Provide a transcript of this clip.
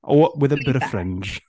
Or with a bit of fringe.